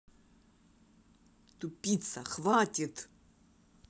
тупица хватит